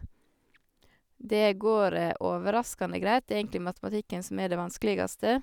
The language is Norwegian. Det går overraskende greit, det er egentlig matematikken som er det vanskeligste.